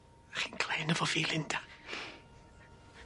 Chi'n glên efo fi Linda.